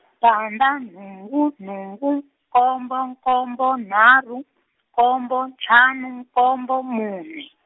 tandza nhungu nhungu, nkombo nkombo nharhu, nkombo ntlhanu nkombo mune.